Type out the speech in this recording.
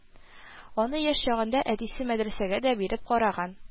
Аны яшь чагында әтисе мәдрәсәгә дә биреп караган